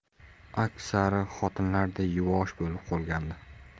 aksari xotinlarday yuvosh bo'lib qolgandi